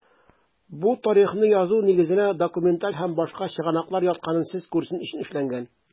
Бу тарихны язу нигезенә документаль һәм башка чыгынаклыр ятканын сез күрсен өчен эшләнгән.